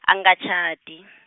angatjhadi .